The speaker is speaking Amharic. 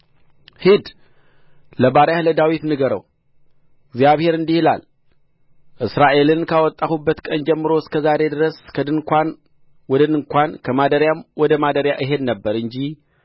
ሂድ ለባሪያዬ ለዳዊት ንገረው እግዚአብሔር እንዲህ ይላል እስራኤልን ካወጣሁበት ቀን ጀምሮ እስከ ዛሬ ድረስ ከድንኳን ወደ ድንኳን ከማደሪያም ወደ ማደሪያ እሄድ ነበር እንጂ